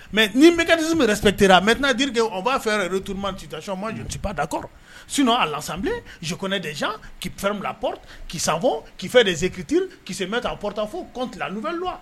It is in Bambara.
Mais ni mécanisme respecté ra maintenant dire que on va faire retournement de situation moi je ne suis pas d'accord, sinon à l'assemblée, je connais des gens qui ferment la porte, qui s'en vont, qui fait des écritures, qui se mettent en porte à faux avec la loi